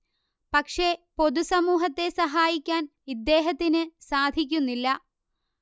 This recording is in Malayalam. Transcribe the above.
പക്ഷേ പൊതു സമൂഹത്തെ സഹായിക്കാൻ ഇദ്ദേഹത്തിന് സാധിക്കുന്നില്ല